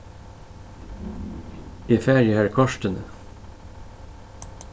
eg fari har kortini